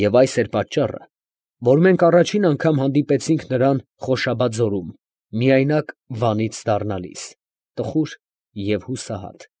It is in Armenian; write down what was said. Եվ այս էր պատճառը, որ մենք առաջին անգամ հանդիպեցինք նրան Խոշաբա ձորում, միայնակ Վանից դառնալիս, տխուր և հուսահատ։